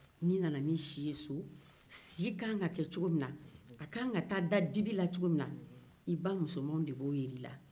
n'i nana ni si ye so si k'an ka kɛ cogo min na a k'an ka da dibi kan cogo min na i ba musoman de b'o jira i la